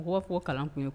U ba fɔ kalankun ye